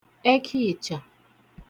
ẹkaị̀chà